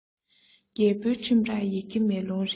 རྒྱལ པོའི ཁྲིམས རར ཡི གེ མེ ལོང རེད